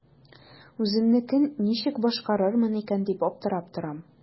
Үземнекен ничек башкарырмын икән дип аптырап торам.